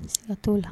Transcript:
Ka t'o la